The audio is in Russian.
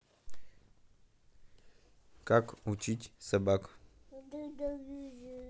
как учить собак